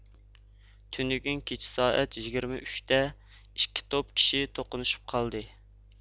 تۈنۈگۈن كېچە سائەت يىگىرمە ئۈچتە ئىككى توپ كىشى توقۇنۇشۇپ قالدى